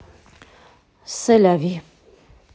се ля ви